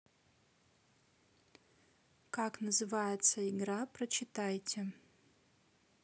как называется игра прочитайте